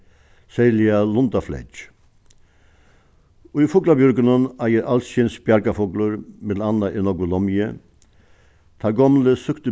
serliga lundafleyggj í fuglabjørgunum eigur alskyns bjargafuglur millum annað er nógvur lomvigi teir gomlu søktu